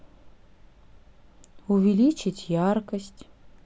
увеличить яркость